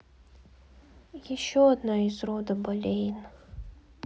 еще одна из рода болейн